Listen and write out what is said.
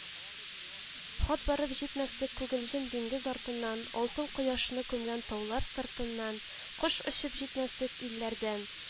Хат барып җитмәслек күгелҗем диңгез артыннан, алтын кояшны күмгән таулар сыртыннан, кош очып җитмәслек илләрдән